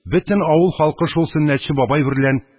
Бөтен авыл халкы шул сөннәтче бабай берлән